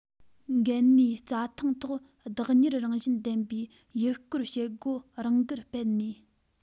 འགལ ནས རྩྭ ཐང ཐོག བདག གཉེར རང བཞིན ལྡན པའི ཡུལ སྐོར བྱེད སྒོ རང དགར སྤེལ ནས